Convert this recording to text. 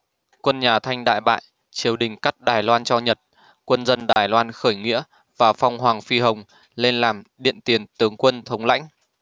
quân nhà thanh đại bại triều đình cắt đài loan cho nhật quân dân đài loan khởi nghĩa và phong hoàng phi hồng lên làm điện tiền tướng quân thống lãnh